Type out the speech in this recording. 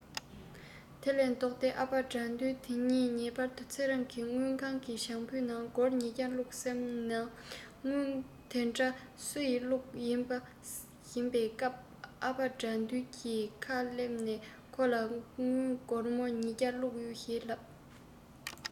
དེ ལས ལྡོག སྟེ ཨ ཕ དགྲ འདུལ དེའི ཉིན གཉིས པར ཚེ རིང གི དངུལ ཁང གི བྱང བུའི ནང སྒོར ཉི བརྒྱ བླུག སེམས ནང དངུལ འདི འདྲ སུ ཡི བླུག པ ཡིན ས བཞིན པའི སྐབས ཨ ཕ དགྲ འདུལ གྱི ཁ སླེབས ནས ཁོ ལ དངུལ སྒོར མོ ཉི བརྒྱ བླུག ཡོད ཞེས ལབ